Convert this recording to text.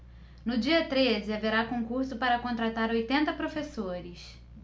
no dia treze haverá concurso para contratar oitenta professores